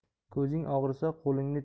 ko'zing og'risa qo'lingni